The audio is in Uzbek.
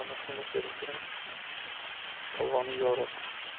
onasini so'rasang tovoni yoriq